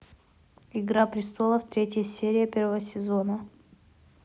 игра престолов третья серия первого сезона